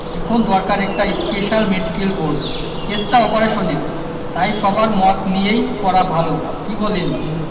এখন দরকার একটা স্পেশাল মেডিকেল বোর্ড কেসটা অপারেশনের তাই সবার মত নিয়েই করা ভালো কি বলেন